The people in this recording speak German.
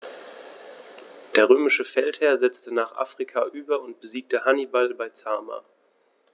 Der römische Feldherr setzte nach Afrika über und besiegte Hannibal bei Zama.